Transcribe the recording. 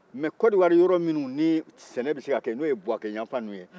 mais konɔwari yɔrɔ minnu ni sɛnɛ bɛ se ka kɛ yen n'o ye buwake yanfan ninnu ye